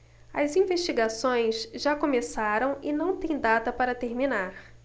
as investigações já começaram e não têm data para terminar